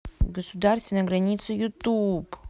государственная граница ютуб